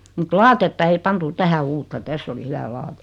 mutta lattiaa ei pantu tähän uutta tässä oli hyvä lattia